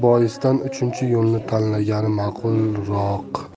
yo'lni tanlagani maqulroq